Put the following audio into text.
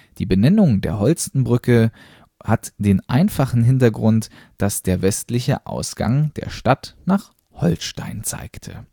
Die Benennung als Holstenbrücke (und Holstentor) hat den einfachen Hintergrund, dass der westliche Ausgang der Stadt nach Holstein zeigte